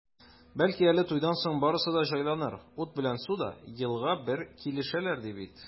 Бәлки әле туйдан соң барысы да җайланыр, ут белән су да елга бер килешәләр, ди бит.